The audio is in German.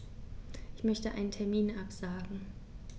Ich möchte einen Termin absagen.